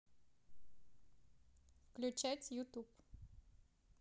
включать ютуб